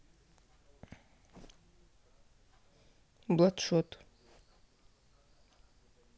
бладшот